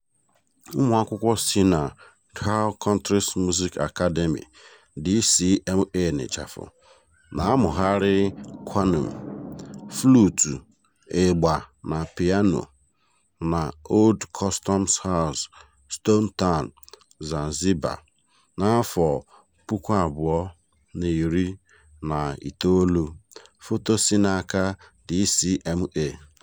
Ụmụakwụkwọ si na Dhow Countries Music Academy (DCMA) na-amụgharị qanun, fluutu, ịgba na pịano na Old Customs House, Stone Town, Zanzibar, 2019. Foto si n'aka DCMA.